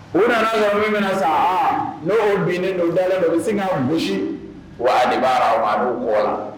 U nana sɔrɔ min min na sa n'oo binnen don dalenlen u bɛ se ka misi waati' ma kɔ la